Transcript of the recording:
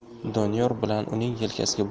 doniyor bilan uning yelkasiga